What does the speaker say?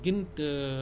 okey